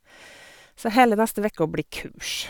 Så hele neste vekka blir kurs.